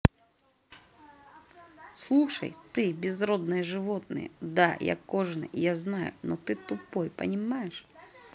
слушай ты безродные животные да я кожаный я знаю но ты тупой понимаешь